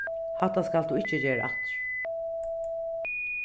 hatta skalt tú ikki gera aftur